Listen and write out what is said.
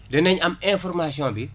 danañ am information bi